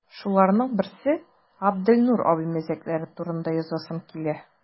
Шуларның берсе – Габделнур абый мәзәкләре турында язасым килә.